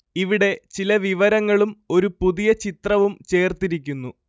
ഇവിടെ ചില വിവരങ്ങളും ഒരു പുതിയ ചിത്രവും ചേര്‍ത്തിരിക്കുന്നു